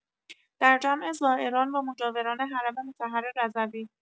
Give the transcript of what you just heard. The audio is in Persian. در جمع زائران و مجاوران حرم مطهر رضوی